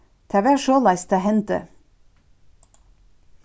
tað var soleiðis tað hendi